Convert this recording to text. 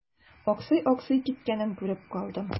Аксый-аксый киткәнен күреп калдым.